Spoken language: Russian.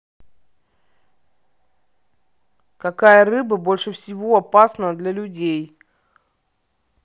какая рыба больше всего опасно для людей